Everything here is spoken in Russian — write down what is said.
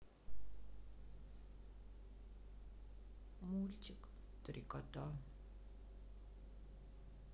мультик три кота